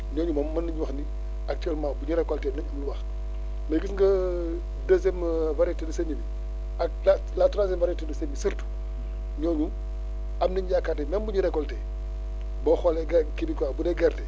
ñooñu moom mun nañu wax ni actuellement bu ñu récolter lépp liñ wax mais gis nga deuxième variété de semis bi ak y' a y' a trois variétés de semis surtout ñooñu am nañ yaakaar ne même bu ñu récolter boo xoolee ge kii bi quoi bu dee gerte